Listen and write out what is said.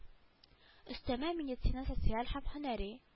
Өстәмә медицина социаль һәм һөнәри